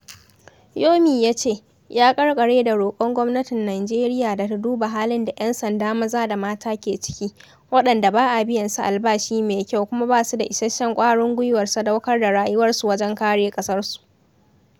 Yomi yace: ya ƙarƙare da roƙon gwamnatin Najeriya da ta duba halin da ‘yan sanda maza da mata ke ciki, waɗanda ba a biyan su albashi mai kyau kuma ba su da isasshen ƙwarin gwiwa sadaukar da rayuwarsu wajen kare ƙasarsu.